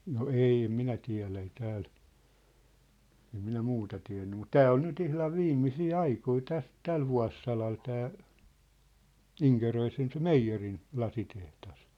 no ei en minä tiedä ei täällä en minä muuta tiennyt mutta tämä oli nyt ihan viimeisiä aikoja tässä tällä vuosisadalla tämä Inkeroisen se meijerin lasitehdas